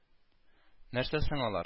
Нәрсә соң алар